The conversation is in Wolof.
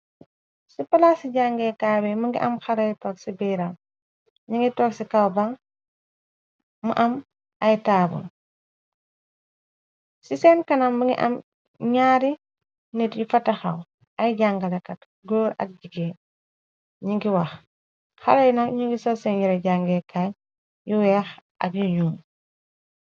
Ci palaa ci jàngekaay bi më ngi am xaray tog ci biiram, ñi ngi tog ci kawbaŋ mu am ay taabul. Ci seen kanam ma ngi am ñaari nit yu fataxaw ay jàngalekat , gór ak jigé ñi ngi wax , xale nak ñu ngi sol seen yare jangekaay, yu weex ak yuñum.